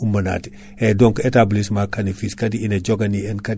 donc fournisseur bannoɗo ɗum porté o wi ɓade yahani